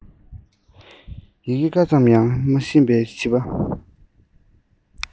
ཡི གེ ཀ ཙམ ཡང མི ཤེས པའི བྱིས པ